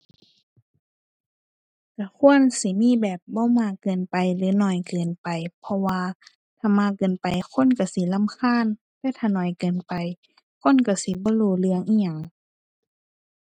ก็ควรสิมีแบบบ่มากเกินไปหรือน้อยเกินไป เพราะว่าถ้ามากเกินไปคนก็สิรำคาญ แต่ถ้าน้อยเกินไปคนก็สิบ่รู้เรื่องอิหยัง